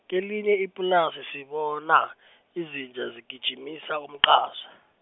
kelinye ipulasi, sibona izinja zigijimisa umqasa.